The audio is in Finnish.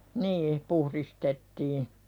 niin puhdistettiin